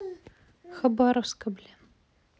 хабаровска блин